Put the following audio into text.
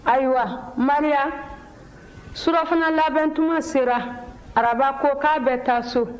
ayiwa maria surɔfana labɛntuma sera araba ko k'a bɛ taa so